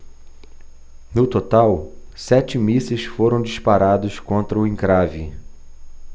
no total sete mísseis foram disparados contra o encrave